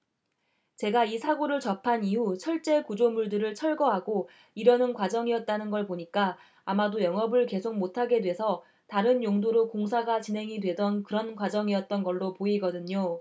제가 이 사고를 접한 이후 철제구조물들을 철거하고 이러는 과정이었다는 걸 보니까 아마도 영업을 계속 못하게 돼서 다른 용도로 공사가 진행이 되던 그런 과정이었던 걸로 보이거든요